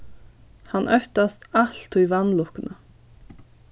hann óttast altíð vanlukkuna